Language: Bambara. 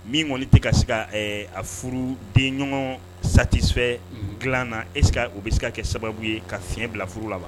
Min kɔni tɛ ka se ka a furu den ɲɔgɔn satifɛ dilan na ese o bɛ se ka kɛ sababu ye ka fiɲɛɲɛ bila furu la